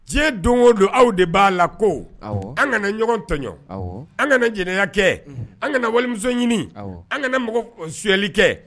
Diɲɛ don o don aw de b'a la ko an kana ɲɔgɔn tɔɔn an kana jɛnɛ kɛ an kana wali ɲini an kana mɔgɔ siyɛli kɛ